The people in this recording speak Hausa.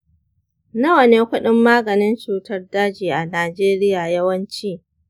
nawa ne kudin maganin cutar daji a najeriya yawanci?